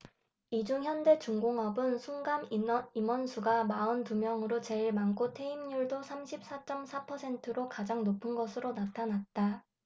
이 중 현대중공업은 순감 임원수가 마흔 두 명으로 제일 많고 퇴임률도 삼십 사 쩜 사 퍼센트로 가장 높은 것으로 나타났다